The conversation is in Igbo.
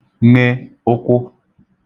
ṅe ụkwụ